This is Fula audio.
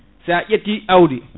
sa ƴetti awdi